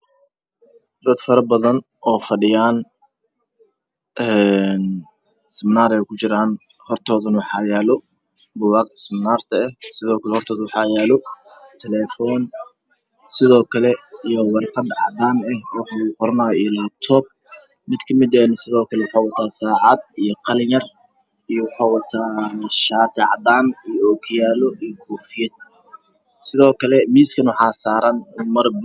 Dad fara badan oo fadhiyaan een siminaaree ku jiraan hortoodana waxaa yaalo bugaagta siminarte eh sidookle hortooda waxaa yeelo taleefoon sidookle iyo warqad cadaan eh oo wax lagu qoranaayo iyo laptop mid ka mid ehne sidokle waxuu qabaa saacad ii qalin yar iyo waxuu wataa shaati cadaan ii okiyaalo ii koofiyad sidookle miskana waxaa saran mar